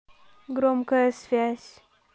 громкая связь